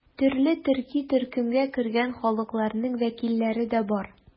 Төрле төрки төркемгә кергән халыкларның вәкилләре дә бар.